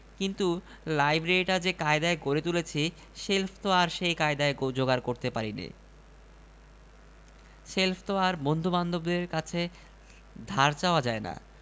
সবকিছুই তার স্বামীর ভাণ্ডারে রয়েছে শেষটায় দোকানদার নিরাশ হয়ে বললে তবে একখানা ভাল বই দিলে হয় না গরবিনী নাসিকা কুঞ্চিত করে বললেন